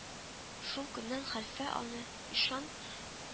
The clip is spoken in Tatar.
Шул көннән хәлфә аны ишан